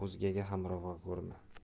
o'zgaga ham ravo ko'rma